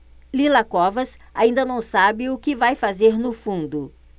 lila covas ainda não sabe o que vai fazer no fundo